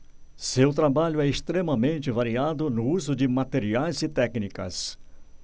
seu trabalho é extremamente variado no uso de materiais e técnicas